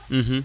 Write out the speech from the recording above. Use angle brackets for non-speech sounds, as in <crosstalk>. <hesitation> <hesitation>